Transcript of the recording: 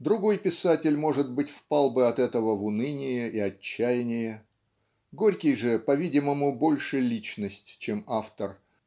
Другой писатель, может быть, впал бы от этого в уныние и отчаяние Горький же по-видимому больше личность чем автор